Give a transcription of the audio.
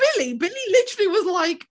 Billy? Billy literally was like...